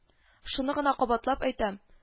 Шуны гына кабатлап әйтәм